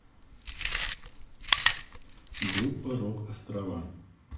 группа рок острова